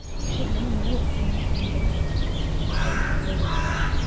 Җирнең мул уңыш бирә алу сәләте.